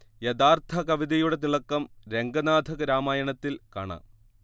യഥാർഥ കവിതയുടെ തിളക്കം രംഗനാഥ രാമായണത്തിൽ കാണാം